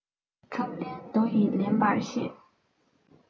ཁབ ལེན རྡོ ཡིས ལེན པར ཤེས